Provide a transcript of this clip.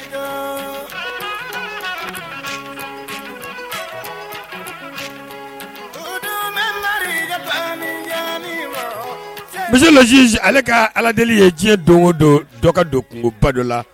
Bilisi la ale ka ala deli ye diɲɛ don don dɔ don kungobado la